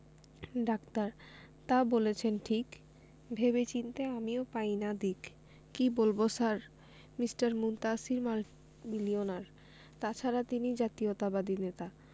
doctor তা বলেছেন ঠিক ভেবে চিন্তে আমিও পাই না দিক কি বলব স্যার মিঃ মুনতাসীর মাল্টিমিলিওনার তাছাড়া তিনি জাতীয়তাবাদী নেতা